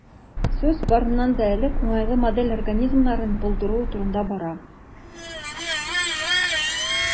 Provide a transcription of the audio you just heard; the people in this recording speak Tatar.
Сүз, барыннан да элек, уңайлы модель организмнарын булдыру турында бара.